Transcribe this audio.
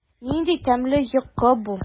Нинди тәмле йокы бу!